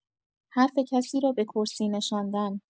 حرف کسی را به کرسی نشاندن